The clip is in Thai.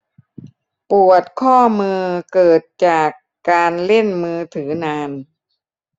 ปวดข้อมือเกิดจากการเล่นมือถือนาน